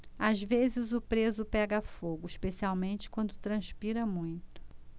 às vezes o preso pega fogo especialmente quando transpira muito